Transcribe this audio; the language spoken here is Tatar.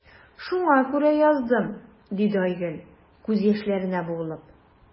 Шуңа күрә яздым,– диде Айгөл, күз яшьләренә буылып.